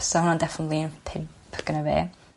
bysa fo'n definaely pump gyna fi.